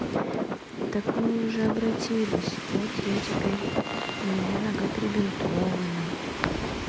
так мы уже обратились вот я теперь у меня нога перебинтована